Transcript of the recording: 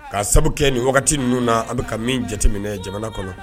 Ka sabu kɛ nin wagati ninnu na a bɛ ka min jateminɛ jamana kɔnɔ